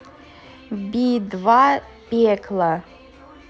би два пекло